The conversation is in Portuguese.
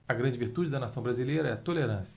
a grande virtude da nação brasileira é a tolerância